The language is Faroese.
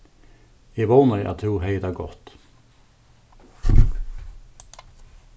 eg vónaði at tú hevði tað gott